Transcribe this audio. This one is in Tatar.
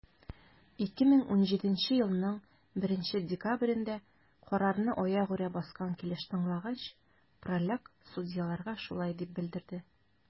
2017 елның 1 декабрендә, карарны аягүрә баскан килеш тыңлагач, праляк судьяларга шулай дип белдерде: